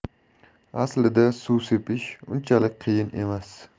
aslida suv sepish unchalik qiyin emas